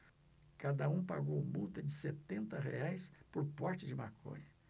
cada um pagou multa de setenta reais por porte de maconha